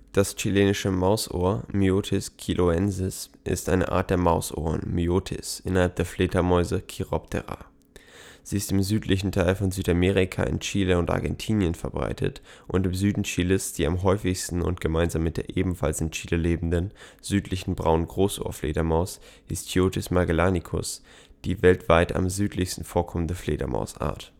Das Chilenische Mausohr (Myotis chiloensis) ist eine Art der Mausohren (Myotis) innerhalb der Fledermäuse (Chiroptera). Sie ist im südlichen Teil von Südamerika in Chile und Argentinien verbreitet und im Süden Chiles die am häufigsten und gemeinsam mit der ebenfalls in Chile lebenden Südlichen Braunen Großohrfledermaus (Histiotus magellanicus) die weltweit am südlichsten vorkommende Fledermausart